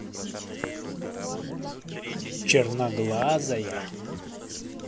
черноглазая